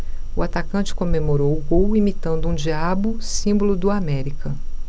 o atacante comemorou o gol imitando um diabo símbolo do américa